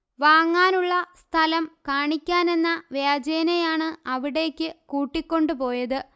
വാങ്ങാനുള്ള സ്ഥലം കാണിക്കാനെന്ന വ്യാജേനയാണ് അവിടേക്ക് കൂട്ടിക്കൊണ്ടു പോയത്